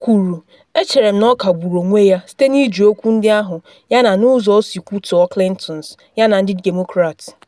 O kwuru “echere m na ọ kagburu onwe ya site na iji okwu ndị ahụ yana n’ụzọ o si kwutọọ Clintons yana ndị Demokrat,”